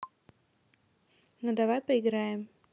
ну давай поиграем